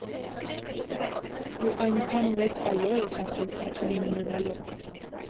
Դու այնքա՜ն մեծ «այո» ես ասել Թաթուլին ունենալով։